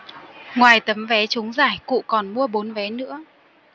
ngoài tấm vé trúng giải cụ còn mua bốn vé nữa